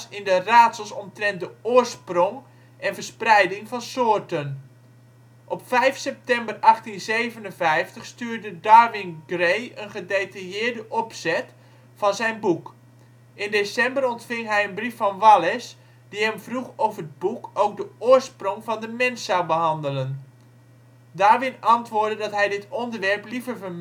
in de raadsels omtrent de oorsprong en verspreiding van soorten. Op 5 september 1857 stuurde Darwin Gray een gedetailleerde opzet van zijn boek. In december ontving hij een brief van Wallace, die hem vroeg of het boek ook de oorsprong van de mens zou behandelen. Darwin antwoordde dat hij dit onderwerp liever